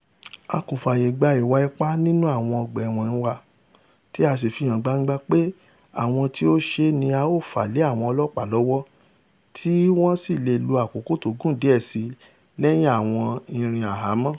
A kò fààyè gba ìwà ipá nínú àwọn ọgbà-ẹ̀wọ̀n wa, tí a sì fihàn gbangba pé àwọn tí ó ṣe é ni a o fà lé àwọn ọlọ́ọ̀pá lọ́wọ́ tí wọ́n sì leè lo àkókó tó gùn díẹ̀ síi lẹ́yìn àwọn irin àhámọ́.